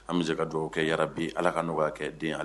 An bɛ jɛ ka dugawu kɛ hali bi yarabi Ala ka nɔgɔya kɛ den a